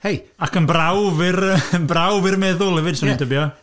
Hei... Ac yn brawf i'r yy yn brawf i'r meddwl hefyd 'swn... ie. ...i'n tybio.